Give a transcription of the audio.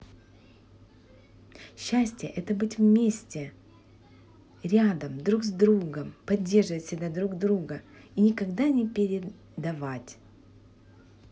счастье это быть вместе рядом друг с другом поддерживать всегда друг друга и никогда не передавать